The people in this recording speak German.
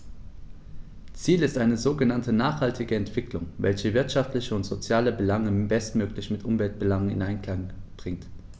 Ziel ist eine sogenannte nachhaltige Entwicklung, welche wirtschaftliche und soziale Belange bestmöglich mit Umweltbelangen in Einklang bringt.